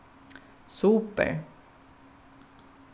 super